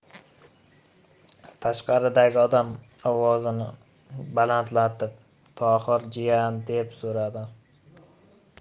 tashqaridagi odam ovozini balandlatib tohir jiyan deb so'radi